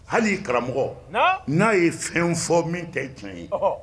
Hali karamɔgɔ n'a ye fɛn fɔ min tɛ jɔn ye